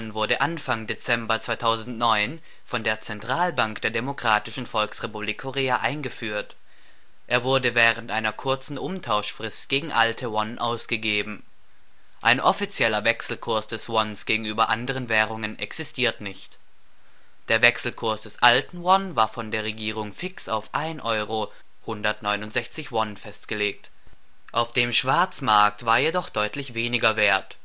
wurde Anfang Dezember 2009 von der Zentralbank der Demokratischen Volksrepublik Korea eingeführt, er wurde während einer kurzen Umtauschfrist gegen alte Won ausgegeben. Ein offizieller Wechselkurs des Wons gegenüber anderen Währungen existiert nicht. Der Wechselkurs des alten Won war von der Regierung fix auf 1 Euro = 169 Won festgelegt; auf dem Schwarzmarkt war er jedoch deutlich weniger wert